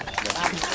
merci